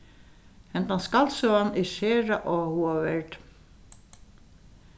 henda skaldsøgan er sera áhugaverd